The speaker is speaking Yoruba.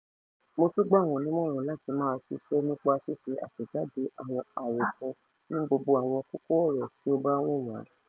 Mo tún gbà wọ́n nímọ̀ràn láti máa ṣiṣẹ́ nípa ṣíṣe àtẹ̀jáde àwọn àròkọ ní gbogbo àwọn kókó ọ̀rọ̀ tí ó bá wù wọ́n.